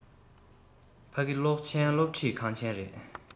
ཕ གི གློག ཅན སློབ ཁྲིད ཁང ཆེན ཡིན